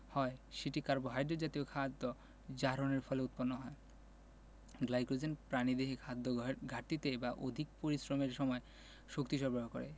হয় সেটি কার্বোহাইড্রেট জাতীয় খাদ্য জারণের ফলে উৎপন্ন হয় গ্লাইকোজেন প্রাণীদেহে খাদ্যঘাটতিতে বা অধিক পরিশ্রমের সময় শক্তি সরবরাহ করে